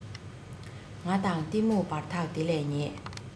ང དང གཏི མུག བར ཐག དེ ལས ཉེ